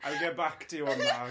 I'll get back to you on that.